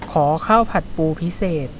ขอข้าวผัดปูพิเศษ